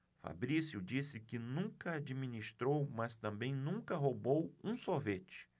fabrício disse que nunca administrou mas também nunca roubou um sorvete